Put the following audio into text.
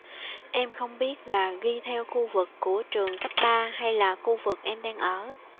em không biết là ghi theo khu vực của trường cấp ba hay là khu vực em đang ở